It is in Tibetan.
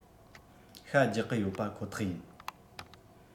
ཤ རྒྱག གི ཡོད པ ཁོ ཐག ཡིན